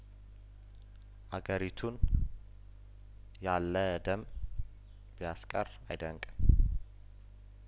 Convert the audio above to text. አገሪቱን ያለደም ቢያስቀር አይደንቅም